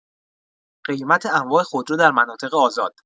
قیمت انواع خودرو در مناطق آزاد